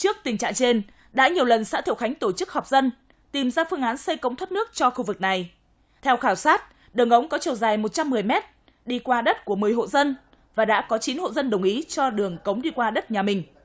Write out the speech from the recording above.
trước tình trạng trên đã nhiều lần xã thiệu khánh tổ chức họp dân tìm ra phương án xây cống thoát nước cho khu vực này theo khảo sát đường ống có chiều dài một trăm mười mét đi qua đất của mười hộ dân và đã có chín hộ dân đồng ý cho đường cống đi qua đất nhà mình